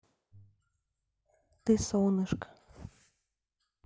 ты солнышко